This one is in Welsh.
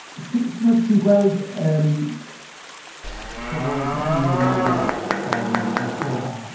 Ti- timod... ti'n gweld yym pobol Siapaneaidd yn wneud e yym yn slow bach?